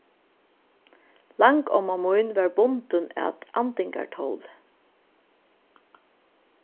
langomma mín var bundin at andingartóli